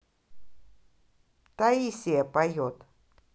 таисия поет